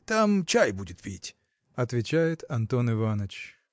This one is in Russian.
там чай будет пить, – отвечает Антон Иваныч.